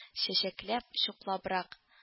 Чәчәкләп-чуклабрак